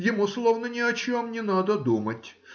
ему словно ни о чем не надо думать